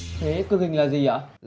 thế cực hình là gì ạ